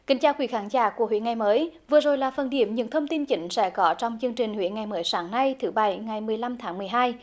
kính chào quý khán giả của huế ngày mới vừa rồi là phần điểm những thông tin chính sẽ có trong chương trình huế ngày mới sáng nay thứ bảy ngày mười lăm tháng mười hai